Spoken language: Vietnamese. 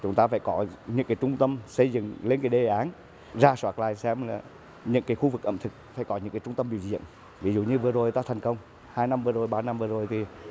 chúng ta phải có những cái trung tâm xây dựng lên cái đề án rà soát lại xem là những cái khu vực ẩm thực phải có những cái trung tâm biểu diễn ví dụ như vừa rồi ta thành công hai năm vừa rồi ba năm vừa rồi